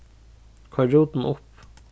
koyr rútin upp